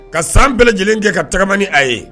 Ka san bɛɛ lajɛlen kɛ ka tagamani ni a ye